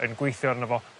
yn gweithio arno fo